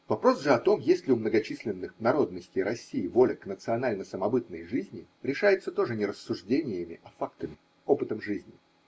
Вопрос же о том, есть ли у многочисленных парод ностей России воля к национально-самобытной жиз ни, решается тоже не рассуждениями, а фактами, опытом жизни.